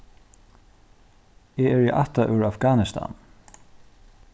eg eri ættað úr afganistan